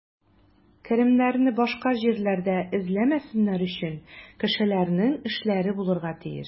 Керемнәрне башка җирләрдә эзләмәсеннәр өчен, кешеләрнең эшләре булырга тиеш.